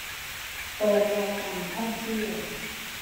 เปิดรายการท่องเที่ยว